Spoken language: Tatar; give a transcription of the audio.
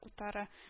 Утары